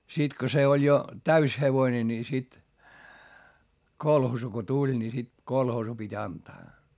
sitten kun se oli jo täysi hevonen niin sitten kolhoosi kun tuli niin sitten kolhoosiin piti antaa